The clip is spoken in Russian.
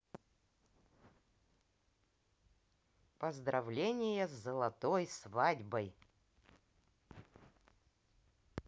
поздравления с золотой свадьбой